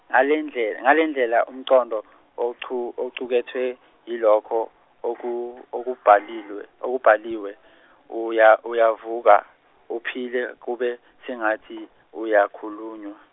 ngalendle- ngalendlela umqondo ochu- oqukethwe yilokho oku- okubhalilwe- okubhaliwe uya- uyavuka, uphile kube sengathi uyakhulunywa.